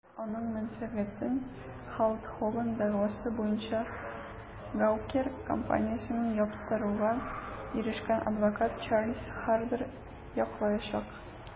Аның мәнфәгатен Халк Хоган дәгъвасы буенча Gawker компаниясен яптыруга ирешкән адвокат Чарльз Хардер яклаячак.